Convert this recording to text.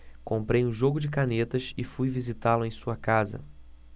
comprei um jogo de canetas e fui visitá-lo em sua casa